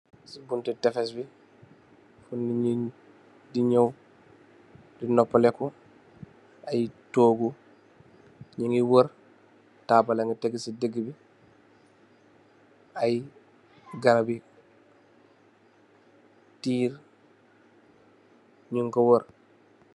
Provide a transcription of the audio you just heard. Ci buntu tefes ngi nit ñi di ñaw nopaleku, ay tóógu ñi ngi wër tabull mugii tegeh ci digibi. Ay garab bi tiir ñing ko wër.